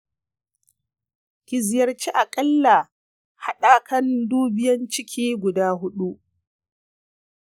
ki ziyarci aƙalla haɗakan dubiyan ciki guda huɗu.